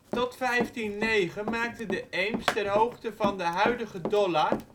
Tot 1509 maakte de Eems ter hoogte van de huidige Dollard